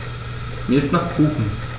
Mir ist nach Kuchen.